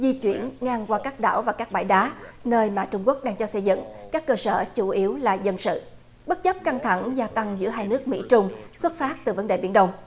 di chuyển ngang qua các đảo và các bãi đá nơi mà trung quốc đang cho xây dựng các cơ sở chủ yếu là dân sự bất chấp căng thẳng gia tăng giữa hai nước mỹ trung xuất phát từ vấn đề biển đông